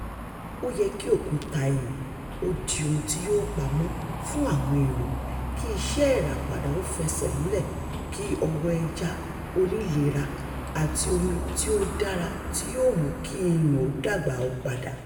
Ó yẹ kí òkúta iyùn ó di ohun tí yóò pamọ́ fún àwọn èrò, kí iṣẹ́ ìràpadà ó fẹsẹ̀ múlẹ̀ kí ọ̀wọ́ ẹja onílera àti omi tí ó dára tí yóò mú kí iyùn ó dàgbà ó padà.